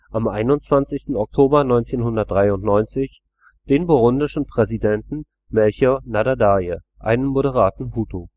am 21. Oktober 1993 den burundischen Präsidenten Melchior Ndadaye, einen moderaten Hutu